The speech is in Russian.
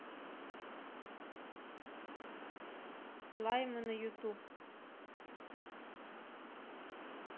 слаймы на ютуб